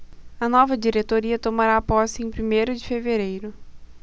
a nova diretoria tomará posse em primeiro de fevereiro